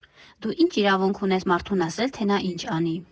Դու ի՞նչ իրավունք ունես մարդուն ասել, թե նա ինչ անի։